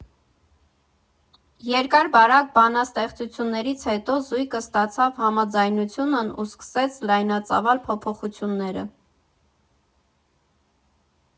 Երկար֊բարակ բանակցություններից հետո զույգը ստացավ համաձայնությունն ու սկսեց լայնածավալ փոփոխությունները։